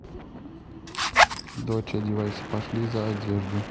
дочь одевайся пошли за одежду